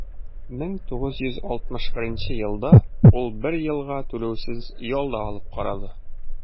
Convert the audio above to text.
1961 елда ул бер елга түләүсез ял да алып карады.